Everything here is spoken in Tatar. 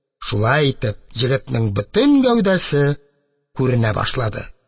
Шулай итеп, егетнең бөтен гәүдәсе күренә башлады.